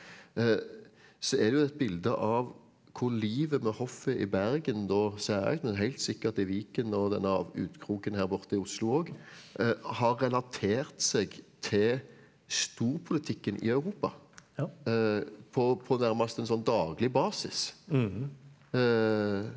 så er det jo et bilde av hvor livet ved hoffet i Bergen da heilt sikkert i Viken og den utkroken her borte i Oslo òg har relatert seg til storpolitikken i Europa på på nærmest en sånn daglig basis .